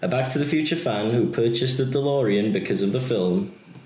A Back to the Future fan who purchased a Delorian because of the film...